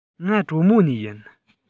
ང གྲོ མོ ནས ཡིན